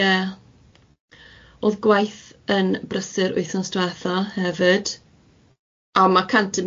Ie, o'dd gwaith yn brysur wythnos dwetha hefyd, a ma' cant